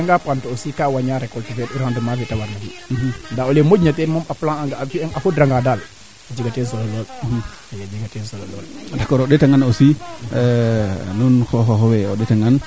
njambate a yoon bo o ndeeta ngaan ten na mbekaa a baña leŋ leŋ aussi owey na ñufa taayo parce xooxele kaa ret baa gom mee ando naye maaga ten refu a bañale roog fee dembanga